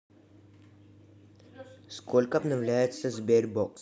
сколько обновляется sberbox